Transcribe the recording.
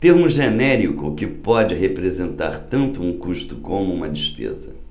termo genérico que pode representar tanto um custo como uma despesa